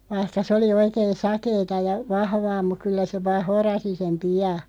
vaikka se oli oikein sakeata ja vahvaa mutta kyllä se vain horasi sen pian